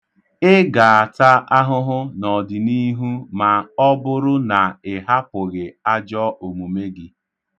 Ị ga-ata ahụhụ n’ọdịniihu ma ọ bụrụ na ị hapụghị ajọ omume gị.